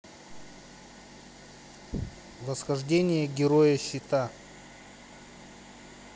восхождение героя щита